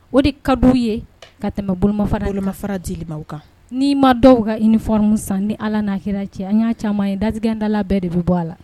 O de ka d'u ye ka tɛmɛ bolomafara bolomafara dili ma u kan n'i ma dɔw ka uniforme san ni Ala n'a Kira cɛ an y'a caman ye datigɛndala bɛɛ de bɛ bɔ a la